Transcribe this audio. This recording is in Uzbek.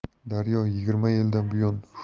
daryo yigirma yildan buyon